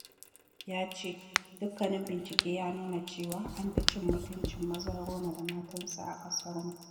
Ya ce: Dukkanin bincike ya nuna cewa an fi cin mutuncin mazan Roma da matansu a ƙasarmu.